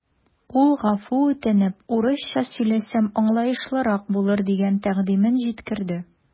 Ул гафу үтенеп, урысча сөйләсәм, аңлаешлырак булыр дигән тәкъдимен җиткерде.